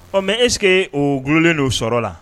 Ɔ mɛ e sigi o gnen don sɔrɔla la